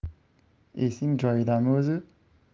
esing joyidami o'zi